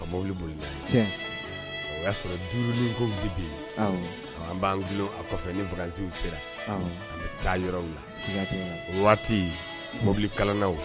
Ka bɔ boli o ya sɔrɔ durunlin ko bi yen an ban gulon a kɔfɛ ni vacances sera taa yɔrɔw la o waati mɔbili kalannaw